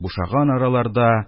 Бушаган араларда